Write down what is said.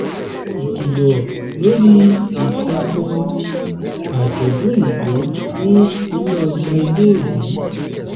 Ìkìlọ̀ lórí ìtako àjọ̀dún Òyìnbó ní inú ọgbà ilé-ìwé.